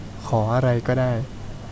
ขออะไรก็ได้